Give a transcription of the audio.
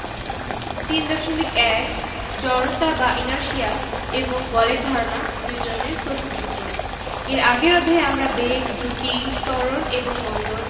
বস্তুর জড়তা ও বলের গুণগত ধারণা নিউটনের গতির প্রথম সূত্র ব্যবহার করে ব্যাখ্যা করতে পারব মৌলিক বলের প্রকৃতি ব্যাখ্যা করতে পারব সাম্য ও অসাম্য বলের প্রভাব ব্যাখ্যা করতে পারব